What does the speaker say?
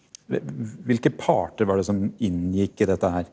v hvilke parter var det som inngikk i dette her?